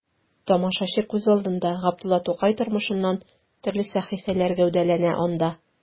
Тамашачы күз алдында Габдулла Тукай тормышыннан төрле сәхифәләр гәүдәләнә анда.